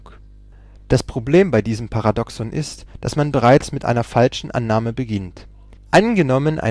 Problem bei diesem Paradoxon ist, dass wir bereits mit einer falschen Annahme beginnen. " Angenommen